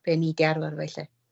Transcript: be' ni arno fo ella.